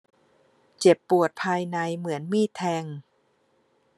เจ็บปวดภายในเหมือนมีดแทง